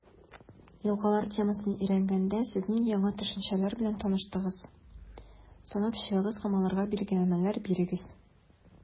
«елгалар» темасын өйрәнгәндә, сез нинди яңа төшенчәләр белән таныштыгыз, санап чыгыгыз һәм аларга билгеләмәләр бирегез.